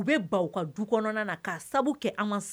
U ban u ka du kɔnɔna na k'a sababu kɛ an